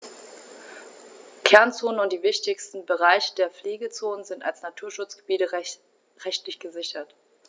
Kernzonen und die wichtigsten Bereiche der Pflegezone sind als Naturschutzgebiete rechtlich gesichert.